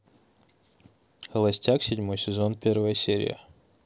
холостяк седьмой сезон первая серия